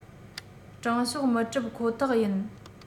དྲང ཕྱོགས མི གྲུབ ཁོ ཐག ཡིན